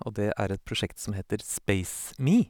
Og det er et prosjekt som heter Space Me.